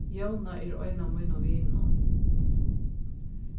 jóna er ein av mínum vinum